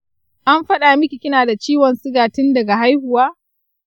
an faɗa miki kina da ciwon siga tin daga haihuwa?